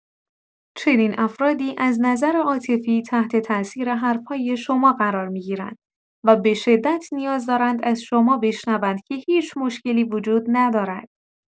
چنین افرادی از نظر عاطفی تحت‌تاثیر حرف‌های شما قرار می‌گیرند و به‌شدت نیاز دارند از شما بشنوند که هیچ مشکلی وجود ندارد.